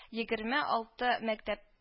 Егерме алты мәктәп